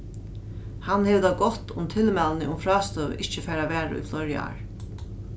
hann hevur tað gott um tilmælini um frástøðu ikki fara at vara í fleiri ár